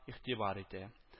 Игътибар итә: